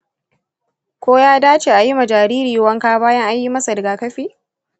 ko ya dace a yi ma jariri wanka bayan an yi masa rigakafi?